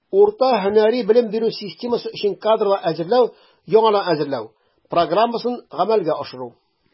Урта һөнәри белем бирү системасы өчен кадрлар әзерләү (яңадан әзерләү) программасын гамәлгә ашыру.